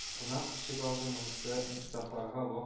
Кунак ишегалды монысы, Мифтахларга вак